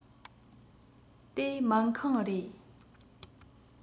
དེ སྨན ཁང རེད